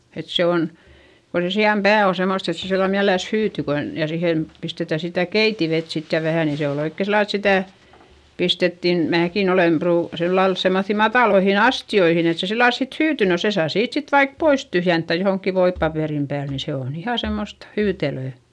että se on kun se sian pää on semmoista että se sillä lailla mielellänsä hyytyy kun ja siihen pistetään sitä keitinvettä sitten ja vähän niin se oli oikein sillä lailla että sitä pistettiin minäkin olen - sillä lailla semmoisiin mataliin astioihin että se sillä lailla sitten hyytyi no sen saa siitä sitten vaikka pois tyhjentää johonkin voipaperin päälle niin se on ihan semmoista hyytelöä